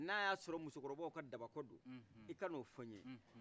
n' aya sɔrɔ musokɔrɔbaw ka dabakɔ do i kan'o fɔ ɲe